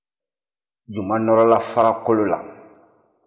juman nɔrɔla farakolo la